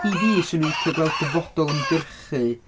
I fi 'swn i'n licio gweld dyfodol ymgyrchu...